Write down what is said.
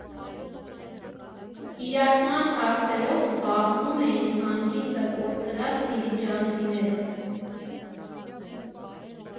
Իրացման հարցերով զբաղվում էին հանգիստը կորցրած դիլիջանցիները։